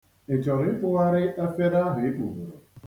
Ị chọrọ ịkpụgharị efere ahụ i kpụburu?